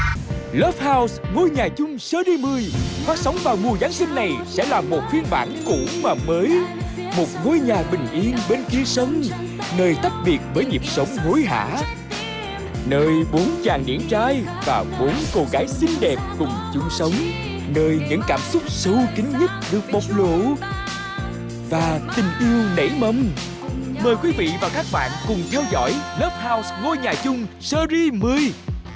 lớp hau ngôi nhà chung sơ ri mười phát sóng vào mùa giáng sinh này sẽ là một phiên bản cũ mà mới một ngôi nhà bình yên bên kia sông nơi tách biệt với nhịp sống hối hả nơi bốn chàng điển trai và bốn cô gái xinh đẹp cùng chung sống nơi những cảm xúc sâu kín nhất được bộc lộ và tình yêu nảy mầm mời quý vị và các bạn cùng theo dõi lớp hau ngôi nhà chung sơ ri mười